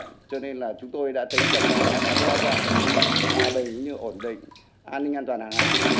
cho nên là chúng tôi đã thấy rằng là nó đã đe dọa đến hòa bình như ổn định an ninh an toàn hàng hải ở